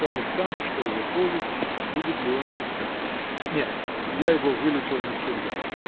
что Александр, что его повесть, будет ли он писать? – Нет, я его вылечил навсегда.